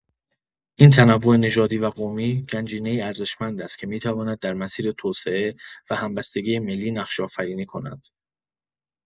این تنوع نژادی و قومی، گنجینه‌ای ارزشمند است که می‌تواند در مسیر توسعه و همبستگی ملی نقش‌آفرینی کند.